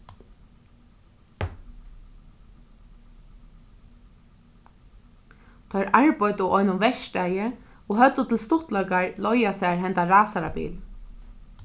teir arbeiddu á einum verkstaði og høvdu til stuttleikar leigað sær henda rasarabil